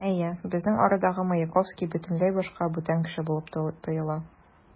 Әйе, безнең арадагы Маяковский бөтенләй башка, бүтән кеше булып тоела.